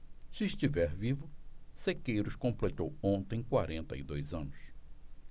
se estiver vivo sequeiros completou ontem quarenta e dois anos